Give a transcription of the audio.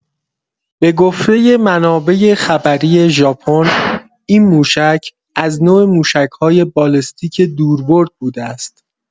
به گفته منابع خبری ژاپن این موشک از نوع موشک‌های بالستیک دوربرد بوده است.